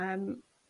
yym